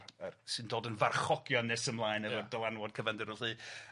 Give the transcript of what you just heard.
yy sy'n dod yn farchogion nes ymlaen efo'r... Ia. ...dylanwad cyfandirol 'lly.